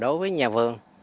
đối với nhà vườn